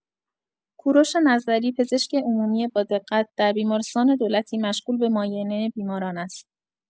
کورش نظری، پزشک عمومی با دقت، در بیمارستان دولتی مشغول به معاینه بیماران است.